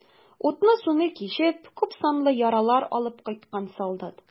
Утны-суны кичеп, күпсанлы яралар алып кайткан солдат.